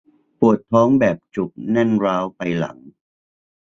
ปวดท้องแบบจุกแน่นร้าวไปหลัง